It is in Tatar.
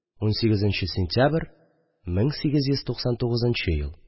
18 сентябрь 1899 ел